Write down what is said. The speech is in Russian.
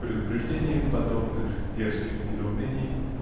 в предупреждение подобных дерзких недоумений